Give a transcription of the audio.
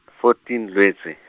fourteen Lwetse.